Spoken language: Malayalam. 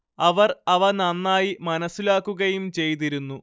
അവർ അവ നന്നായി മനസ്സിലാക്കുകയും ചെയ്തിരുന്നു